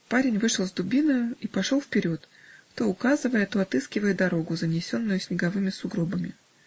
парень вышел с дубиною и пошел вперед, то указывая, то отыскивая дорогу, занесенную снеговыми сугробами.